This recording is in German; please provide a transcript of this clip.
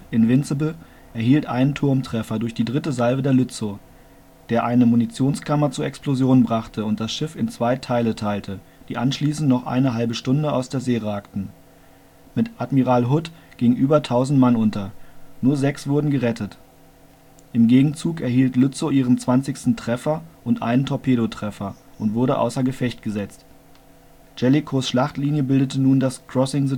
Invincible erhielt einen Turmtreffer durch die 3. Salve der Lützow, der eine Munitionskammer zur Explosion brachte und das Schiff in zwei Teile teilte, die anschließend noch eine halbe Stunde aus der See ragten. Mit Admiral Hood gingen über tausend Mann unter, nur sechs wurden gerettet. Im Gegenzug erhielt Lützow ihren 20. Treffer (und einen Torpedotreffer) und wurde außer Gefecht gesetzt. Jellicoes Schlachtlinie bildete nun das Crossing